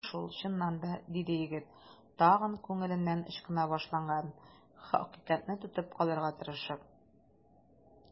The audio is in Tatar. Әйе шул, чыннан да! - диде егет, тагын күңеленнән ычкына башлаган хакыйкатьне тотып калырга тырышып.